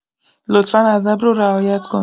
لطفا ادب رو رعایت کنید